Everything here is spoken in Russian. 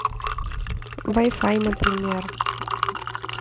вай фай например